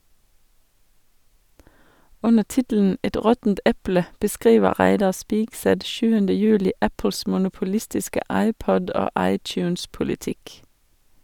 Under tittelen «Et råttent eple» beskriver Reidar Spigseth 7. juli Apples monopolistiske iPod- og iTunes-politikk.